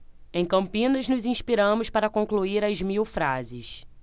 em campinas nos inspiramos para concluir as mil frases